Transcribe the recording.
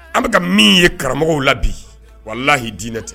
An bɛka ka min ye karamɔgɔw la bi wala la'i dinɛ tɛ